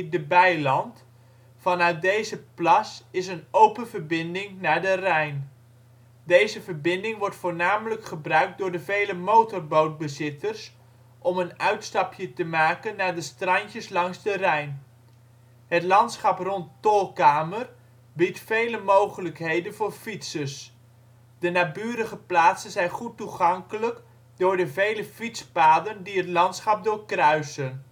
de Bijland "; vanuit deze plas is een open verbinding naar de Rijn. Deze verbinding wordt voornamelijk gebruikt door de vele motorbootbezitters om een uitstapje te maken naar de strandjes langs de Rijn. Het landschap rond Tolkamer biedt vele mogelijkheden voor fietsers. De naburige plaatsen zijn goed toegankelijk door de vele fietspaden die het landschap doorkruisen